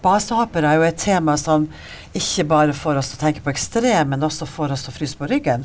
basehoppere er jo et tema som ikke bare får oss til å tenke på ekstrem men også får oss til å fryse på ryggen.